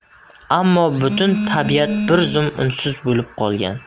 ammo butun tabiat bir zum unsiz bo'lib qolgan